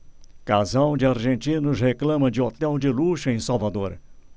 casal de argentinos reclama de hotel de luxo em salvador